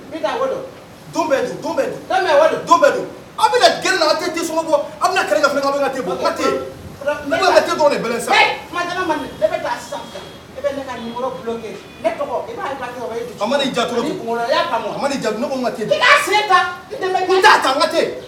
Bɛ bɔ